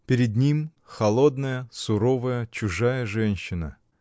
Перед ним холодная, суровая, чужая женщина.